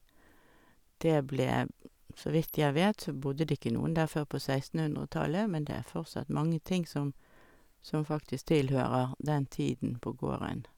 det ble Så vidt jeg vet, så bodde det ikke noen der før på sekstenhundretallet, men det er fortsatt mange ting som som faktisk tilhører den tiden på gården.